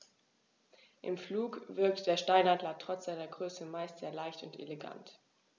Im Flug wirkt der Steinadler trotz seiner Größe meist sehr leicht und elegant.